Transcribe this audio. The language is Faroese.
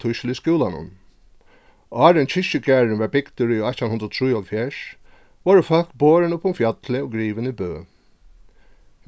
tískil í skúlanum áðrenn kirkjugarðurin varð bygdur í átjan hundrað og trýoghálvfjerðs vórðu fólk borin upp um fjallið og grivin í bø